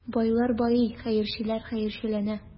Байлар байый, хәерчеләр хәерчеләнә.